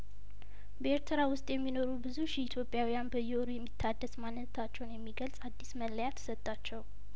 በኤርትራ ውስጥ የሚኖሩ ብዙ ሺህ ኢትዮጵያውያን በየወሩ የሚታደስ ማንነታቸውን የሚገልጽ አዲስ መለያተሰጣቸው